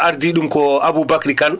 ardii ɗum ko Aboubacry Kane